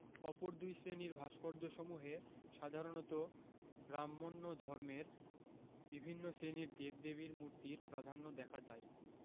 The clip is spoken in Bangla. অপর দুই শ্রেণীর ভাস্কর্যসমূহে সাধারণত ব্রাক্ষ্মণ্য ধর্মের বিভিন্ন শ্রেণির দেব দেবীর মূর্তির প্রাধান্য দেখা যায়